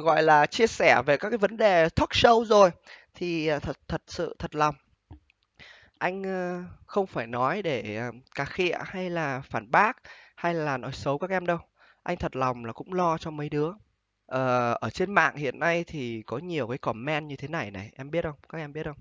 gọi là chia sẻ về các cái vấn đề thót sâu rồi thì thật thật sự thật lòng anh ơ không phải nói để cà khịa hay là phản bác hay là nói xấu các em đâu anh thật lòng là cũng lo cho mấy đứa ờ ở trên mạng hiện nay thì có nhiều cái còm men như thế này này em biết không các em biết không